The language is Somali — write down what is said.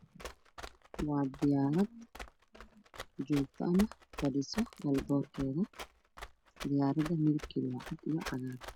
Waa diyaarad joogta ama fadhiso eelaboorkeeda diyaarada midabkeeda waa cadaan iyo cagaar